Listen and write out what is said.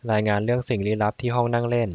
รายงานเรื่องสิ่งลี้ลับที่ห้องนั่งเล่น